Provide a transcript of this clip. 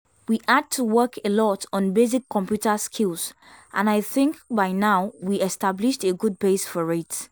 We had to work a lot on basic computer skills, and I think by now we established a good base for it.